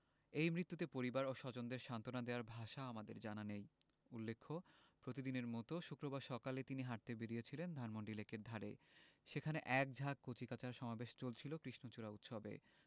এই মৃত্যুতে পরিবার ও স্বজনদের সান্তনা দেয়ার ভাষা আমাদের জানা নেই উল্লেখ্য প্রতিদিনের মতো শুক্রবার সকালে তিনি হাঁটতে বেরিয়েছিলেন ধানমন্ডি লেকের ধারে সেখানে এক ঝাঁক কচিকাঁচার সমাবেশ চলছিল কৃষ্ণচূড়া উৎসবে